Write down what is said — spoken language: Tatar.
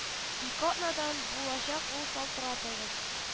Ике атнадан булачак ул ышалтыратыгыз